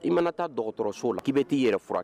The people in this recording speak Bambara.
I mana taa dɔgɔtɔrɔso la k'i bɛ t'i yɛrɛ fura